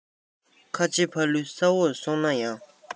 ཁ ཆེ ཕ ལུ ས འོག སོང ན ཡང